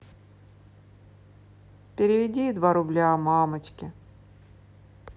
переведи два рубля мамочке